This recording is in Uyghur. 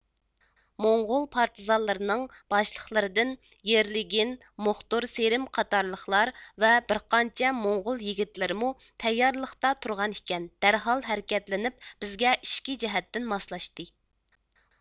موڭغۇل پارتىزانلىرىنىڭ باشلىقلىرىدىن يىرلېگىلېن موقدۇر سىرىم قاتالىقلار ۋە بىرقانچە موڭغۇل يىگىتلىرىمۇ تەييارلىقتا تۇرغان ئىكەن دەرھال ھەرىكەتلىنىپ بىزگە ئىچكى جەھەتتىن ماسلاشتى